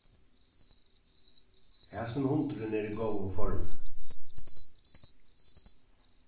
hasin hundurin er í góðum formi